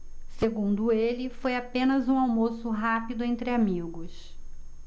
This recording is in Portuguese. segundo ele foi apenas um almoço rápido entre amigos